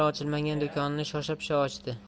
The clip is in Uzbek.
ochilmagan do'konini shosha pisha ochdi